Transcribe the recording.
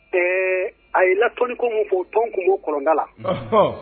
-Ɛɛ, a ye latɔnni ko min fɔ, o tɔn tun bɛ kɔlɔnda la